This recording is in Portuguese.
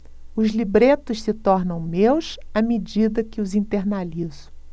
os libretos se tornam meus à medida que os internalizo